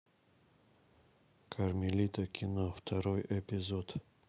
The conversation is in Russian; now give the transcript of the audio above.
кармелита кино второй эпизод